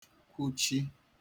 kwuchi